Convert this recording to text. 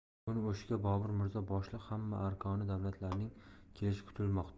bugun o'shga bobur mirzo boshliq hamma arkoni davlatlarning kelishi kutilmoqda